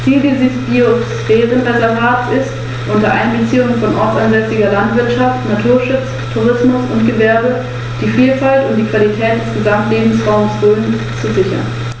In seiner östlichen Hälfte mischte sich dieser Einfluss mit griechisch-hellenistischen und orientalischen Elementen.